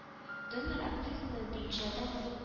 Донор акциясенә беренчеләрдән булып